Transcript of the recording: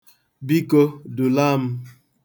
Biko, dula m.